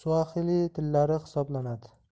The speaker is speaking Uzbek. suaxili tillari hisoblanadi